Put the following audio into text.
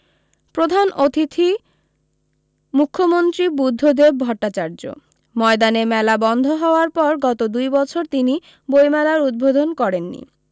প্রধান অতিথি মুখ্যমন্ত্রী বুদ্ধদেব ভট্টাচার্য ময়দানে মেলা বন্ধ হওয়ার পর গত দুই বছর তিনি বৈমেলার উদ্বোধন করেননি